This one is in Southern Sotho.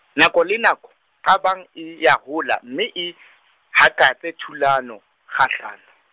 nako le nako, qabang e a hola, mme e hakatsa thulano kgahlano.